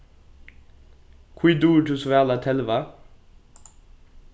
hví dugir tú so væl at telva